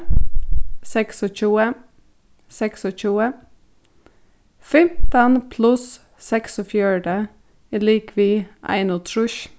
seksogtjúgu seksogtjúgu fimtan pluss seksogfjøruti er ligvið einogtrýss